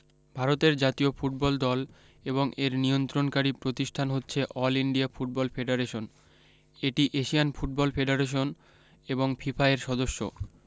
ভারতের জাতীয় ফুটবল দল এবং এর নিয়ন্ত্রণকারী প্রতিষ্ঠান হচ্ছে অল ইন্ডিয়া ফুটবল ফেডারেশন এটি এশিয়ান ফুটবল কনফেডারেশন এবং ফিফা এর সদস্য